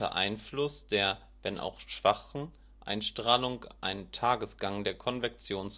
Einfluss der - wenn auch schwachen - Einstrahlung ein Tagesgang der Konvektion